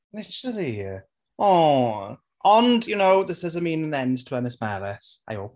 Literally! O, ond you know, this doesn't mean an end to Ynys Melys. I hope.